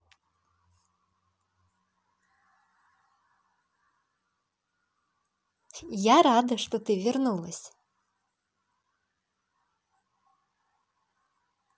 я рада что ты вернулась